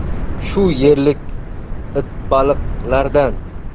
shu yerlik itbaliqlardan